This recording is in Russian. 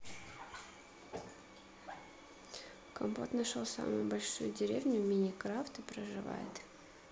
компот нашел самую большую деревню в minecraft и проживает